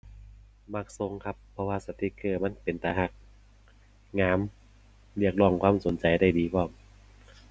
มักส่งครับ เพราะว่าสติกเกอร์มันเป็นตารัก งาม เรียกร้องความสนใจได้ดีพร้อม